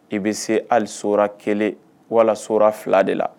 I bɛ se alisora kelen walasora fila de la